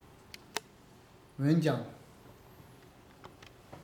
འོན ཀྱང